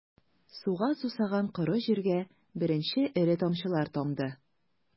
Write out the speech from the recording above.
Суга сусаган коры җиргә беренче эре тамчылар тамды...